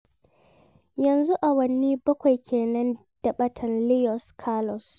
Yanzu awanni bakwai kenan da ɓatan Luis Carlos.